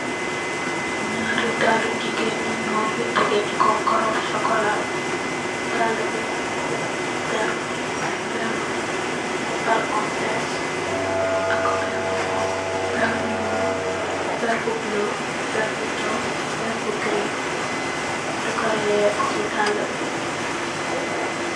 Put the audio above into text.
Ñaari dalli jigeen yu ñuul yu tegeh ci kaw karó bu sokola, dalla bi ñing ko péér bam fees ak péér bu xonxu, péér bu ñuul, péér bu bula, péér bu jaw, péér bu green dekorè ko ci dalla bi.